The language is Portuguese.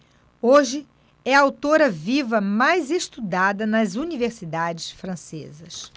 hoje é a autora viva mais estudada nas universidades francesas